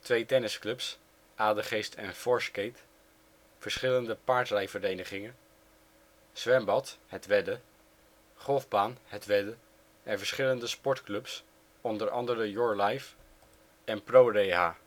2 tennisclubs (Adegeest en Forescate), verschillende paardrijdverenigingen, zwembad (Het Wedde), golfbaan (Het Wedde) en verschillende sportclubs (onder andere Your Life en Proreha